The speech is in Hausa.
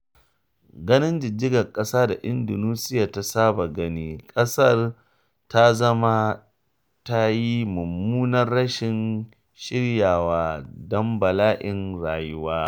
Ganin jijjigar ƙasa da Indonesiya ta saba gani, ƙasar ta zama ta yi mummunan rashin shiryawa don bala’in rayuwa.